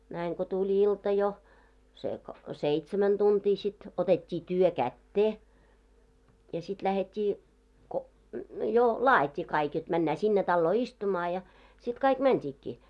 näin kun tuli ilta jo se kun seitsemän tuntia sitten otettiin työ käteen ja sitten lähdettiin kun jo laadittiin kaikki jotta mennään sinne taloon istumaan ja sitten kaikki mentiinkin